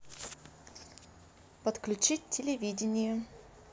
подключить телевидение